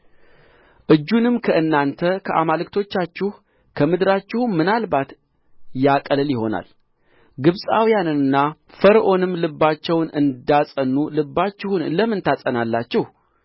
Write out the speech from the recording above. እጁን ከእናንተና ከአማልክቶቻችሁ ከምድራችሁም ምናልባት ያቀልል ይሆናል ግብጻውያንና ፈርዖንም ልባቸውን እንዳጸኑ ልባችሁን ለምን ታጸናላችሁ